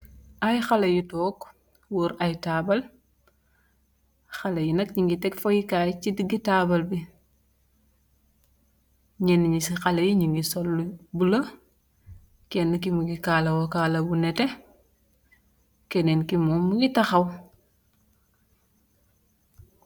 Ay xale yu toog wóor ay taabal xale yi nag yi ngi teg foyikaay ci diggi taabal bi ñenn ñi ci xale nyugi sol lu bulo kenn ki mu gi kaalawo kaala bu nete kenneen ki moom mu ngi taxaw.